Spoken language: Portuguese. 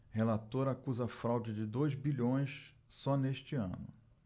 relator acusa fraude de dois bilhões só neste ano